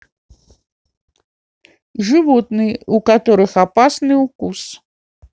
животные у которых опасный укус